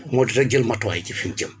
moo di rek jël matuwaay y ci fi ñu jëm